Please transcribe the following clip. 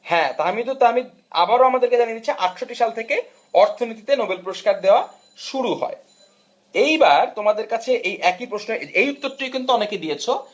হ্যাঁ তাহমিদুল তাহমিদ আবার আমাদেরকে জানিয়েছে 68 সাল থেকে অর্থনীতিতে নোবেল পুরস্কার দেওয়া শুরু হয় এইবার তোমাদের কাছে এই প্রশ্নের এই উত্তর টিও কিন্তু অনেকে দিয়েছ